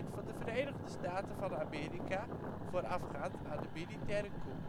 van de Verenigde Staten van Amerika voorafgaande aan de militaire coup